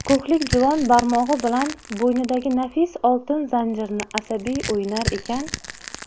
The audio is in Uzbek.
ko'hlik juvon barmog'i bilan bo'ynidagi nafis oltin zanjirni asabiy o'ynar ekan